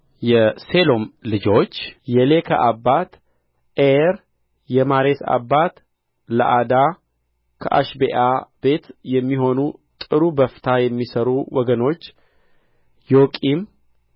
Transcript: የሴሎም ልጆች የሌካ አባት ዔር የመሪሳ አባት ለዓዳ ከአሽቤዓ ቤት የሚሆኑ ጥሩ በፍታ የሚሠሩ ወገኖች ዮቂም